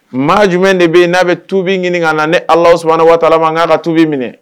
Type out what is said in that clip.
Maa jumɛn de bɛ yen n'a bɛ tubi ɲini na ni alasumana waati ma n' ka tubi minɛ